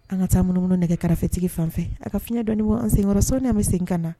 An ka taaumunu nɛgɛ kɛrɛfɛfetigi fan fɛ a ka fiɲɛ dɔn an senyɔrɔso ne bɛ sen ka na